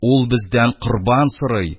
Ул бездән корбан сорый,